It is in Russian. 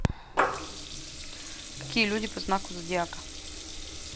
какие люди по знаку зодиака